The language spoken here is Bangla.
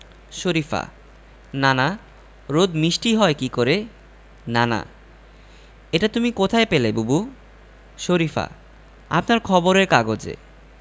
শরিফা নানা রোদ মিষ্টি হয় কী করে নানা এটা তুমি কোথায় পেলে বুবু শরিফা আপনার খবরের কাগজে